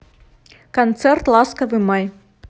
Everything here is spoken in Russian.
концерт ласковый май